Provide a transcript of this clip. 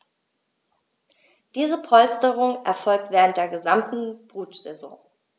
Diese Polsterung erfolgt während der gesamten Brutsaison.